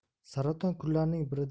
saraton kunlarining birida yo'l